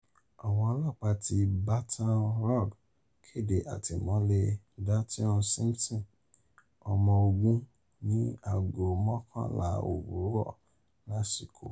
Àwọn ọlọ́pàá ti Baton Rogue kéde àtìmọ́lé Dyteon Simpson, ọmọ ogún ọdún (20) ní aago mọkànlá òwúrọ̀ lásìkò.